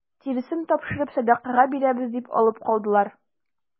Тиресен тапшырып сәдакага бирәбез дип алып калдылар.